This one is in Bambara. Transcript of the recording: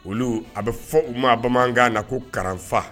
Olu a bɛ fɔ u ma bamanankan na ko kafa